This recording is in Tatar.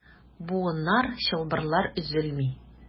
Буыннар, чылбырлар өзелми.